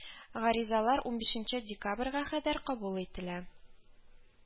Гаризалар унбишенче декабрьгә кадәр кабул ителә